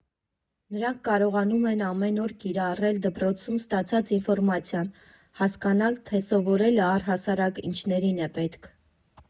֊ Նրանք կարողանում են ամեն օր կիրառել դպրոցում ստացած ինֆորմացիան, հասկանալ, թե սովորելը առհասարակ ինչներին է պետք»։